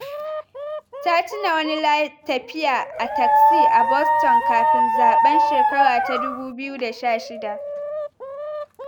Ta tuna wani tafiya a taksi a Boston kafin zaben 2016.